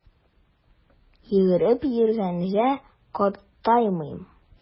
Йөгереп йөргәнгә картаймыйм!